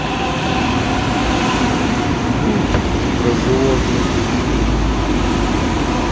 мультик про животных